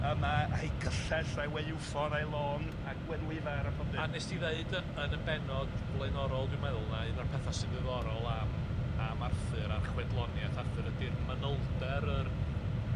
Yym a a'i gyllell a'i waywffon a'i long a Gwenhwyfar a pob dim. A wnes di ddeud yy yn y bennod flaenorol, dwi'n meddwl na un o'r petha sy'n ddiddorol am am Arthur a'r chwedloniath Arthur ydi'r manylder yr